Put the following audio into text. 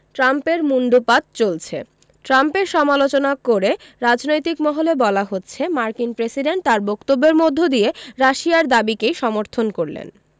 ট্রাম্পের মুণ্ডুপাত চলছে ট্রাম্পের সমালোচনা করে রাজনৈতিক মহলে বলা হচ্ছে মার্কিন প্রেসিডেন্ট তাঁর বক্তব্যের মধ্য দিয়ে রাশিয়ার দাবিকেই সমর্থন করলেন